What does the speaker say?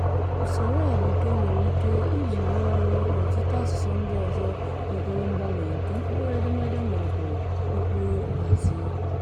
Usoro a bụ nke e nwere ike iji rụọ ọrụ n'ọtụtụ asụsụ ndị ọzọ nwegoro mgbanwe nke mkpụrụ edemede maọbụ n'ụkpụrụ nhazi.